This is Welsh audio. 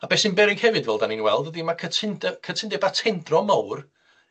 A be' sy'n beryg hefyd, fel 'dan ni'n weld, ydi ma' cytunde- cytundeba' tendro mowr